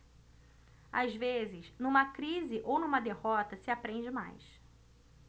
às vezes numa crise ou numa derrota se aprende mais